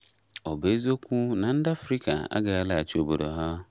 Ọ bụ eziokwu na ndị Afrịka agaghị alaghachi obodo ha?